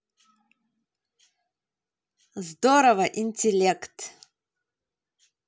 здорово интеллект